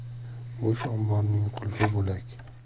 bo'sh omborning qulfi bo'lak